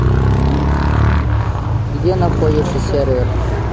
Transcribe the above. где находится сервер